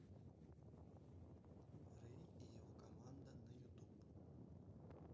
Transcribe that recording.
рей и его команда на ютуб